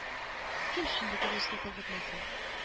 Кем шундый кәләшкә кызыкмасын